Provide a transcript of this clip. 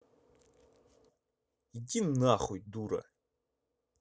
иди нахуй дура